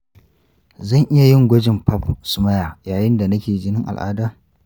zan iya yin gwajin pap smear yayin da nake jinin al’ada?